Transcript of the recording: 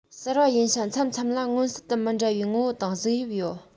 གསར བ ཡིན ཞིང མཚམས མཚམས ལ མངོན གསལ དུ མི འདྲ བའི ངོ བོ དང གཟུགས དབྱིབས ཡོད